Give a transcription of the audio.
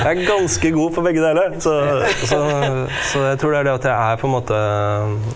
jeg er ganske god på begge deler, så så så jeg tror det er det at jeg er på en måte .